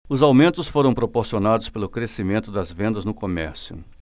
os aumentos foram proporcionados pelo crescimento das vendas no comércio